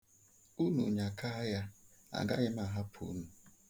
Unu nyakaa ya, agaghị m ahapụ unu.